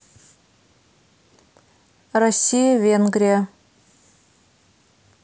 россия венгрия